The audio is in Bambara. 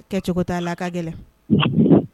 Kɛ cogo ta la . A ka gɛlɛn